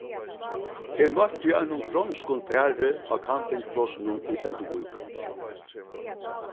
eg møtti einum fronskum pari á kampingplássinum í elduvík